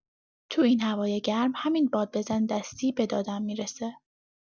تو این هوای گرم، همین بادبزن دستی به دادم می‌رسه.